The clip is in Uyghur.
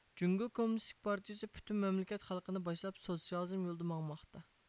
جۇڭگو كوممۇنىستىك پارتىيىسى پۈتۈن مەملىكەت خەلقىنى باشلاپ سوتسىيالىزم يولىدا ماڭماقتا